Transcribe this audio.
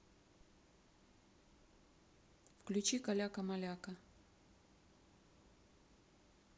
включи каляка маляка